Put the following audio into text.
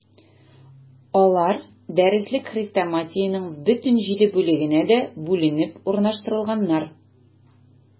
Алар дәреслек-хрестоматиянең бөтен җиде бүлегенә дә бүленеп урнаштырылганнар.